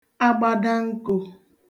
agbadankō